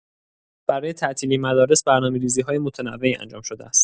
برای تعطیلی مدارس، برنامه‌ریزی‌های متنوعی انجام شده است.